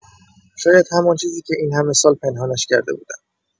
شاید همان چیزی که این‌همه سال پنهانش کرده بودم.